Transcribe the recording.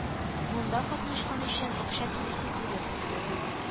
Монда катнашкан өчен акча түлисе түгел